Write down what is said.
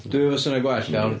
Dwi efo syniad gwell iawn?